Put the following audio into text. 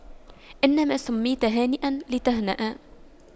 إنما سُمِّيتَ هانئاً لتهنأ